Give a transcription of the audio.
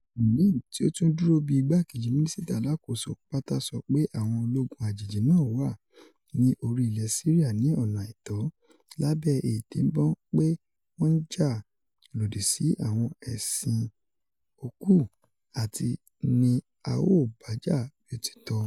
Moualem, ti o tun duro bii igbakeji minisita alakoso pata, sọpe awọn ologun ajeji naa wa ni ori ilẹ Siria ni ọna aitọ, labẹ idinbọn pe wọn n ja lodi si awọn ẹṣin-o-ku, ati “ni a o baja bi o ti tọ.”